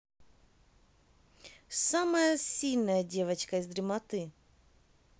самая сильная девочка из дремоты